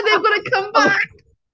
And they've got to come back!